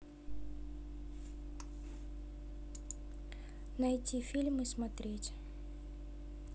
найти фильм и смотреть